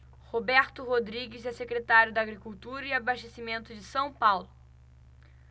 roberto rodrigues é secretário da agricultura e abastecimento de são paulo